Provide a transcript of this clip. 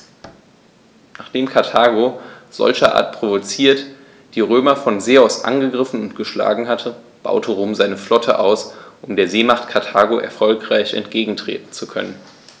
Nachdem Karthago, solcherart provoziert, die Römer von See aus angegriffen und geschlagen hatte, baute Rom seine Flotte aus, um der Seemacht Karthago erfolgreich entgegentreten zu können.